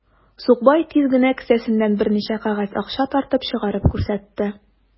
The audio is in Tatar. Сукбай тиз генә кесәсеннән берничә кәгазь акча тартып чыгарып күрсәтте.